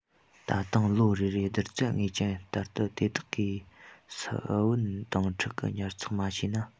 ད དུང ལོ རེ རེར བསྡུར ཚད ངེས ཅན ལྟར ཏུ དེ དག གི ས བོན དང ཕྲུ གུ ཉར ཚགས མ བྱས ན